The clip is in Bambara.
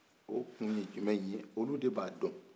o kun ye jumɛn ye olu de ba dɔn